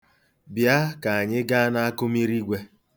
Bịa ka anyị gaa n'akụmirigwe.